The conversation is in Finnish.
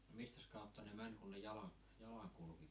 mistäs kautta ne meni kun ne jalan jalan kulki